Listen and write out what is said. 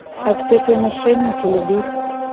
отпетые мошенники люби